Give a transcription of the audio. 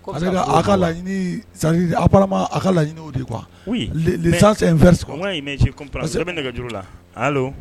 Ka lama a ka laɲini de kuwa bɛ nɛgɛ juru la a